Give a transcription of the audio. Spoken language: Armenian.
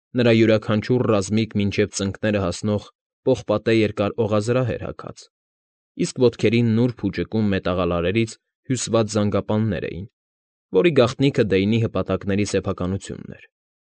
Նրա յուրաքանչյուր ռազմիկ մինչև ծնկները հասնող պողպատե երկար օղազրահ էր հագած, իսկ ոտքերին նուրբ ու ճկուն մետաղալարերից հյուսված զանգապաններ էին, որի գաղտնիքը Դեյնի հպատակների սեփականությունն էր։